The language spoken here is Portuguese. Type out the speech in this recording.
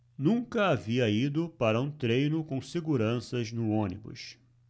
nunca havia ido para um treino com seguranças no ônibus